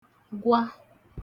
gwa